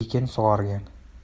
ekin sug'organ